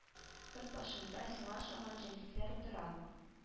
Көрт башында сиңа охшаган җәнлекләр утыра